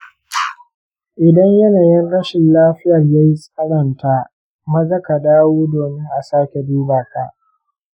idan yanayin rashin lafiyar ya tsananta, maza ka dawo domin a sake duba ka.